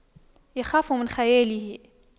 يخاف من خياله